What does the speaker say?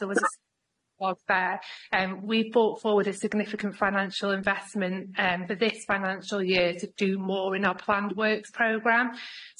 There was a lot there and we've brought forward a significant financial investment and for this financial year to do more in our planned works programme,